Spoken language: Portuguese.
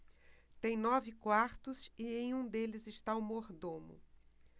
tem nove quartos e em um deles está o mordomo